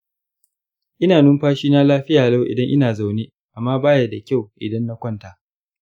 ina numfashi na lafiya lau idan ina zauna amma baya da kyau idan na kwanta.